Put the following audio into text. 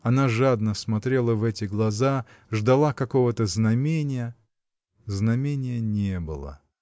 Она жадно смотрела в эти глаза, ждала какого-то знамения — знамения не было.